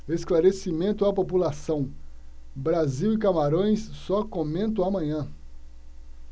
esclarecimento à população brasil e camarões só comento amanhã